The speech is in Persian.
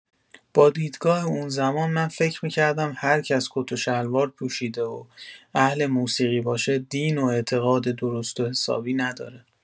با دیدگاه اون زمان من فکر می‌کردم هر کس کت و شلوار پوشیده و اهل موسیقی باشه دین و اعتقاد درست و حسابی نداره.